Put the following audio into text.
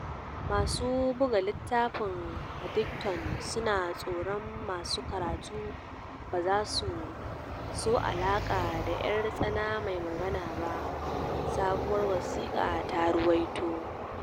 Masu buga littafan Paddington su na tsoron masu karatu ba zasu so alaka da ‘yar tsana mai magana ba, sabuwar wasika ta ruwaito